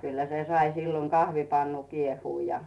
kyllä se sai silloin kahvipannu kiehua ja